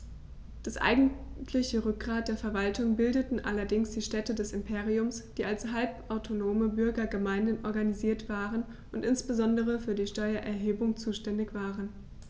Das eigentliche Rückgrat der Verwaltung bildeten allerdings die Städte des Imperiums, die als halbautonome Bürgergemeinden organisiert waren und insbesondere für die Steuererhebung zuständig waren.